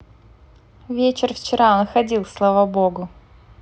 вечер вчера он ходил слава богу